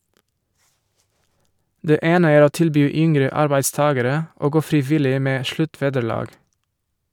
Det ene er å tilby yngre arbeidstagere å gå frivillig med sluttvederlag.